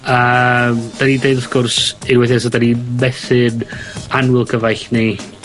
A 'dan ni'n deud wrth gwrs unwaith eto 'dyn ni'n methu'n annwyl cyfaill ni